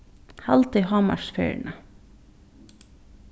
haldið hámarksferðina